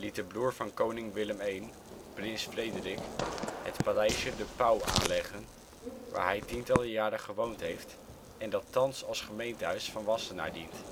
de broer van koning Willem I, prins Frederik, het paleisje " De Paauw " aanleggen, waar hij tientallen jaren gewoond heeft en dat thans als gemeentehuis van Wassenaar dient